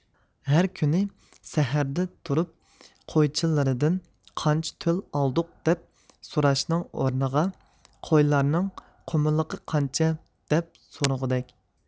ھەر كۈنى سەھەردە تۇرۇپ قويچىلىرىدىن قانچە تۆل ئالدۇق دەپ سوراشنىڭ ئورنىغا قويلارنىڭ قۇمىلىقى قانچە دەپ سورىغۇدەك